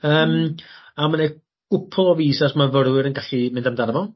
Yym a ma' 'ne gwpwl o visas myfyrwyr yn gallu mynd amdano fo.